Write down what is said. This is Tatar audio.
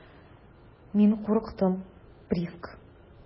Мин курыктым, Приск.